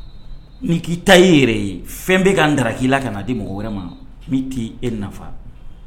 N k'i ta e yɛrɛ ye fɛn bɛ ka n dara k'i la ka na di mɔgɔ wɛrɛ ma n t e nafa